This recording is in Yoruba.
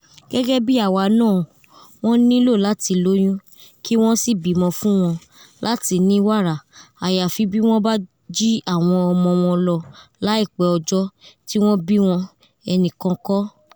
Gẹgẹbi awa naa wọn nilo lati loyun ki wọn si bimọ fun wọn lati ni wara, ayafi bi wọn ba ji awọn ọmọ wọn lọ laipẹ ọjọ ti wọn bi wọn,”ẹnikan kọ.